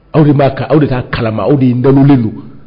Aw minnu b'a ka aw de ka kalama aw de nalonnen don.